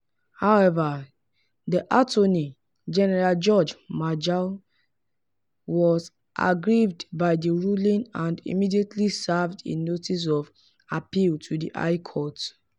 However, then-Attorney General George Masaju was aggrieved by the ruling and immediately served a notice of appeal to the High Court: